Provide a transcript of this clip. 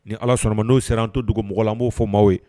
Ni ala sɔnna ma n'o sera an to dugumɔgɔ la n b'o fɔ maaw ye